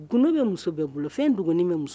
Gundo bɛ muso bɛɛ bolo fɛn in dɔgɔn bɛ muso